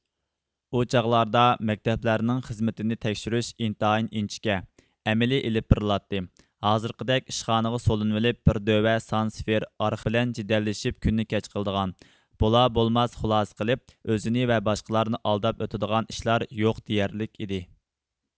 ئۇ چاغلاردا مەكتەپلەرنىڭ خىزمىتىنى تەكشۈرۈش ئىنتايىن ئىنچىكە ئەمەلىي ئېلىپ بېرىلاتتى ھازىرقىدەك ئىشخانىغا سولىنىۋىلىپ بىر دۆۋە سان سىفىر ئارخىپ بىلەن جېدەللىشىپ كۈننى كەچ قىلىدىغان بولا بولماس خۇلاسە قىلىپ ئۆزىنى ۋە باشقىلارنى ئالداپ ئۆتىدىغان ئىشلار يوق دېيەرلىك ئىدى